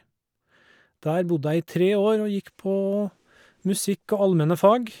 Der bodde jeg i tre år og gikk på musikk og allmenne fag.